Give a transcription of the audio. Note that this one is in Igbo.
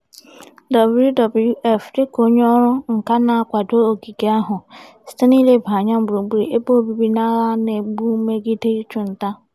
WWF dịka onye ọrụ nka na-akwado ogige ahụ site na nleba anya gburugburu ebe obibi n'agha a na-ebu megide ịchụ nta.